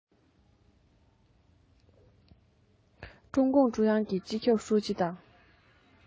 ཀྲུང གུང ཀྲུང དབྱང གི སྤྱི ཁྱབ ཧྲུའུ ཅི དང